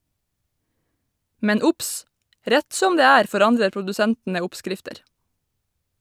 Men obs - rett som det er forandrer produsentene oppskrifter.